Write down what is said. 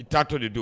I t' to de don